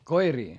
koiria